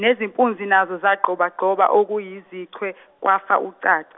nezimpunzi nazo zagxobagxoba okuyizichwe kwafa ucaca.